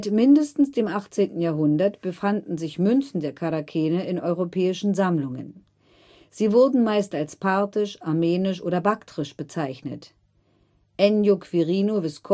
mindestens dem 18. Jahrhundert befanden sich Münzen der Charakene in europäischen Sammlungen. Sie wurden meist als parthisch, armenisch oder baktrisch bezeichnet. Ennio Quirino Visconti